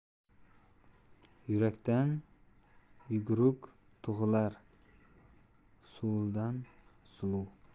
yugurukdan yuguruk tug'ilar suluvdan suluv